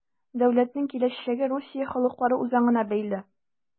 Дәүләтнең киләчәге Русия халыклары үзаңына бәйле.